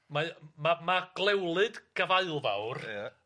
mae ma' ma' Glewlyd Gafaelfawr... Ia.